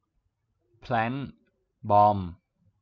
แพลนท์บอม